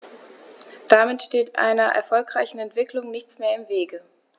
Damit steht einer erfolgreichen Entwicklung nichts mehr im Wege.